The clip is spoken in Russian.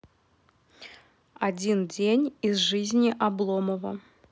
один день из жизни обломова